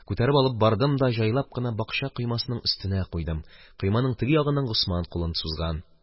Күтәреп алып бардым да җайлап кына бакча коймасының өстенә куйдым, койманың теге ягыннан Госман кулын сузып тора.